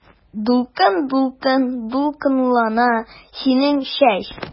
Дулкын-дулкын дулкынлана синең чәч.